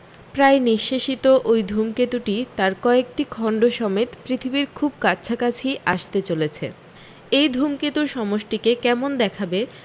প্রায় নিশেষিত ওই ধূমকেতুটি তার কয়েকটি খণ্ড সমেত পৃথিবীর খুব কাছাকাছি আসতে চলেছে এই ধূমকেতুর সমষ্টিকে কেমন দেখাবে